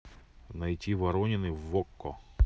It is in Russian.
найди воронины в окко